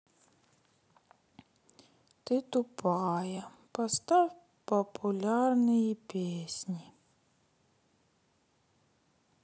ты тупая поставь популярные песни